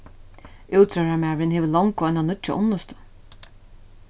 útróðrarmaðurin hevur longu eina nýggja unnustu